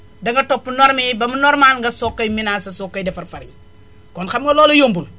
danga topp norme yi ba mu normal nga soog kay mélangé soog koy defar farine kon xam nga loolu yombu